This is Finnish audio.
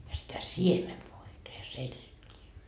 ja sitä siemenvoita ja seltiä